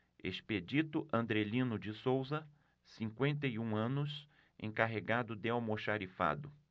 expedito andrelino de souza cinquenta e um anos encarregado de almoxarifado